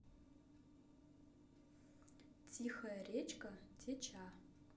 тихая речка теча